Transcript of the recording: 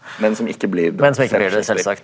men som ikke blir .